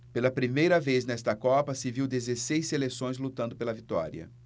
pela primeira vez nesta copa se viu dezesseis seleções lutando pela vitória